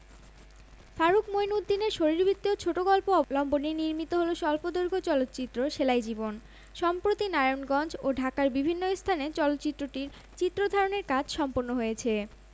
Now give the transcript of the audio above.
ফারুক মইনউদ্দিনের শরীরবৃত্তীয় ছোট গল্প অবলম্বনে নির্মিত হল স্বল্পদৈর্ঘ্য চলচ্চিত্র সেলাই জীবন সম্প্রতি নারায়ণগঞ্জ ও ঢাকার বিভিন্ন স্থানে চলচ্চিত্রটির চিত্র ধারণের কাজ সম্পন্ন হয়েছে